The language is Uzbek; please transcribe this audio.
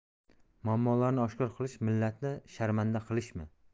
muammolarni oshkor qilish millatni sharmanda qilishmi